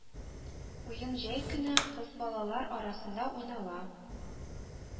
Уен җәй көне кыз балалар арасында уйнала